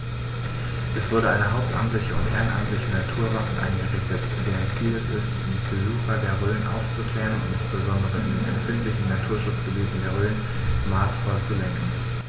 Es wurde eine hauptamtliche und ehrenamtliche Naturwacht eingerichtet, deren Ziel es ist, Besucher der Rhön aufzuklären und insbesondere in den empfindlichen Naturschutzgebieten der Rhön maßvoll zu lenken.